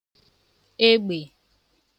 egbè